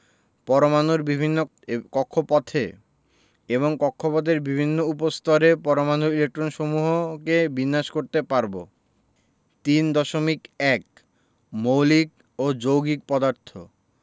পরমাণুর বিভিন্ন কক্ষপথে এবং কক্ষপথের বিভিন্ন উপস্তরে পরমাণুর ইলেকট্রনসমূহকে বিন্যাস করতে পারব ৩.১ মৌলিক ও যৌগিক পদার্থ